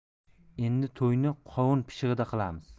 endi to'yni qovun pishig'ida qilamiz